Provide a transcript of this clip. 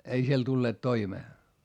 ei siellä tulleet toimeen